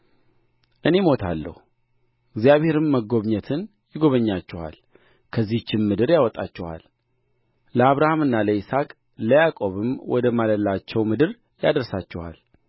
እኔ እሞታለሁ እግዚአብሔርም መጎብኘትን ይጎበኛችኋል ከዚህችም ምድር ያወጣችኋል ለአብርሃምና ለይስሐቅ ለያዕቆብም ወደ ማለላቸው ምድር ያደርሳችኋል